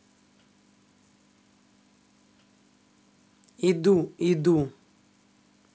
иду иду